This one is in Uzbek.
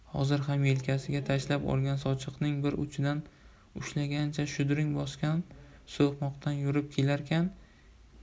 hozir ham yelkasiga tashlab olgan sochiqning bir uchidan ushlagancha shudring bosgan so'qmoqdan yurib kelarkan